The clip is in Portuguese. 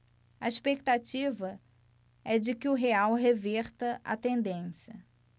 a expectativa é de que o real reverta a tendência